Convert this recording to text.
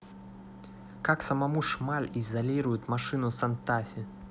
как самому шмаль изолирует машину сантафе